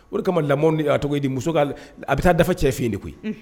O de kama lamɔ cogo di muso a bɛ taa dafa cɛ fi de koyi